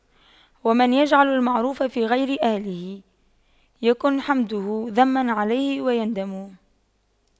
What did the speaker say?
ومن يجعل المعروف في غير أهله يكن حمده ذما عليه ويندم